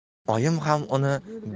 oyim ham uni